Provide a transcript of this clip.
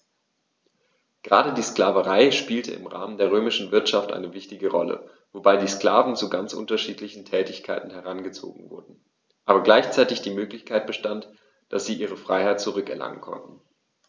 Gerade die Sklaverei spielte im Rahmen der römischen Wirtschaft eine wichtige Rolle, wobei die Sklaven zu ganz unterschiedlichen Tätigkeiten herangezogen wurden, aber gleichzeitig die Möglichkeit bestand, dass sie ihre Freiheit zurück erlangen konnten.